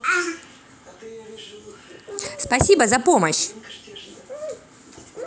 спасибо за помощь